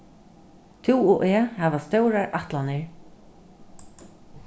tú og eg hava stórar ætlanir